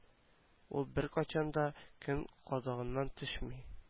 Ул беркайчан да көн кадагыннан төшми